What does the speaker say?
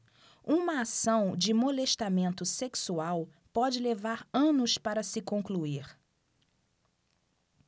uma ação de molestamento sexual pode levar anos para se concluir